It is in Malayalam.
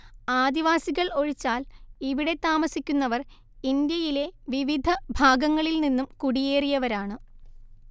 ആദിവാസികൾ ഒഴിച്ചാൽ ഇവിടെ താമസിക്കുന്നവർ ഇന്ത്യയിലെ വിവിധ ഭാഗങ്ങളില്‍ നിന്നും കുടിയേറിയവരാണ്‌